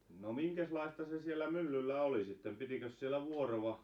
no minkäslaista se siellä myllyllä oli sitten pitikös siellä vuoroa